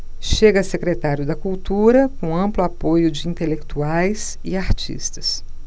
chega a secretário da cultura com amplo apoio de intelectuais e artistas